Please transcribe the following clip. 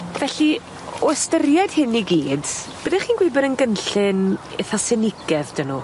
Felly o ystyried hyn i gyd byddech chi'n gweud bod e'n gynllun itha sinicedd 'dyn nw?